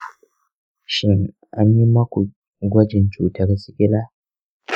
shin an yi muku gwajin cutar sikila?